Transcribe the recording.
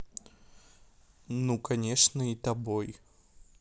ну конечно и тобой